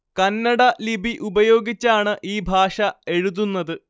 കന്നട ലിപി ഉപയോഗിച്ചാണ് ഈ ഭാഷ എഴുതുന്നത്